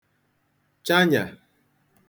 chanyà